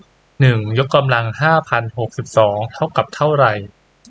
หนึ่งยกกำลังห้าพันหกสิบสองเท่ากับเท่าไร